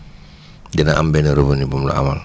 dina am benn revenu bu mu la amal